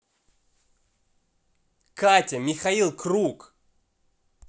катя михаил круг